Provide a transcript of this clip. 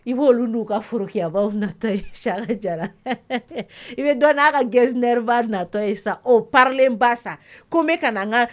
I b' ka foroya natɔ i bɛ dɔn n'a ka gese natɔ ye sa o palen ba sa ko ka